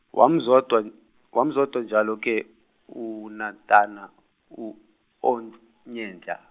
wamzonda n-, wamzonda njalo-ke, uNatana u-Onyesha.